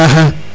axa